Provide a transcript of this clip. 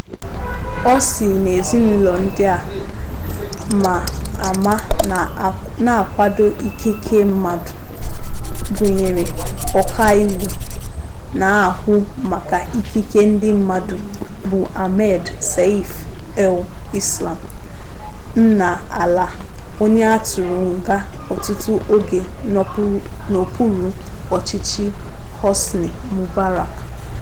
O si n'ezinụlọ ndị a ma ama na-akwado ikike mmadụ, gụnyere ọkaiwu na-ahụ maka ikike ndị mmadụ bụ Ahmed Seif El Islam, nna Alaa, onye a tụrụ nga ọtụtụ oge n'okpuru ọchịchị Hosni Mubarak.